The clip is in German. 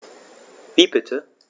Wie bitte?